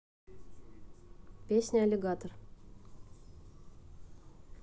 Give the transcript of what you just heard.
песня alligator